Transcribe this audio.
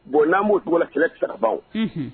Bon n'a'o dugu la kɛlɛ sirabaa